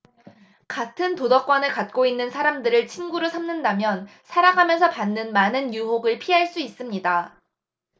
같은 도덕관을 갖고 있는 사람들을 친구로 삼는다면 살아가면서 받는 많은 유혹을 피할 수 있습니다